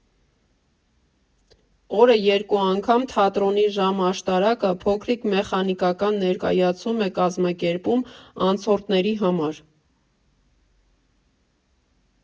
Օրը երկու անգամ թատրոնի ժամ֊աշտարակը փոքրիկ մեխանիկական ներկայացում է կազմակերպում անցորդների համար։